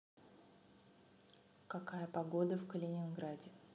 какая погода в калининграде